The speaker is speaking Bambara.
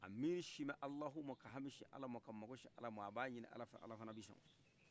a miri sin bɛ alahuma ka hami sin allama ka mako sin alama a ba ɲini alafɛ alafana bi sɔn